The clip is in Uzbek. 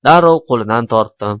darrov qo'lidan tortdim